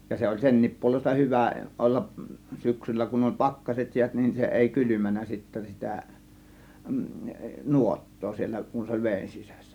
ja se oli senkin puolesta hyvä olla syksyllä kun oli pakkaset jäät niin se ei kylmännyt sitten sitä nuottaa siellä kun se oli veden sisässä